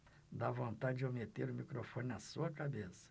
dá vontade de eu meter o microfone na sua cabeça